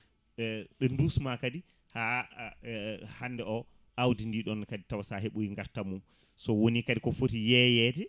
ɓe dusma kadi ha hande o awdi ndi ɗon kadi taw sa heeɓoyi gartam mum so woni kadi ko foti yeyede